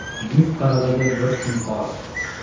yuz qarg'aga bir shunqor